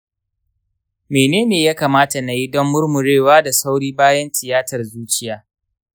menene ya kamata na yi don murmurewa da sauri bayan tiyatar zuciya?